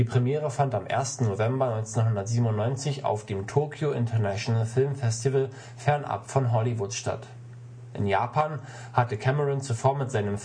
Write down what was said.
Premiere fand am 1. November 1997 auf dem Tokyo International Film Festival fernab von Hollywood statt. In Japan hatte Cameron zuvor mit seinem Film